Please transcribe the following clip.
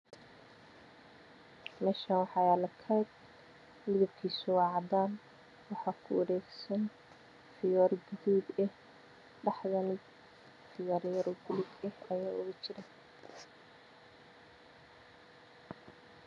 Meshan wax yaalo koob midkibkisu waa cadaan waxa ku waregsan fiyooro gadud eh dhaxdane Fiyooro yar yar o gadud eh Aya ugu jiro